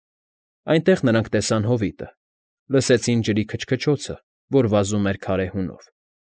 Այնտեղ նրանք տեսան հովիտը, լսեցին ջրի քչքչոցը, որ վազում էր քարե հունով։